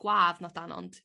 gwadd nad 'dan ond...